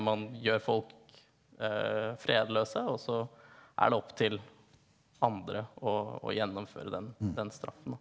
man gjør folk fredløse og så er det opp til andre å å gjennomføre den den straffen da.